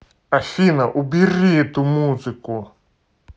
афина убери эту музыку